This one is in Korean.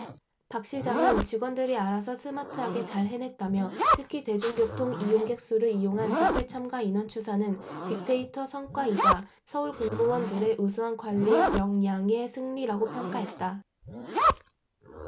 박 시장은 직원들이 알아서 스마트하게 잘 해냈다며 특히 대중교통 이용객 수를 이용한 집회 참가 인원 추산은 빅데이터 성과이자 서울 공무원들의 우수한 관리역량의 승리라고 평가했다